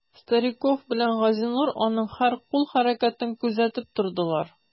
Стариков белән Газинур аның һәр кул хәрәкәтен күзәтеп тордылар.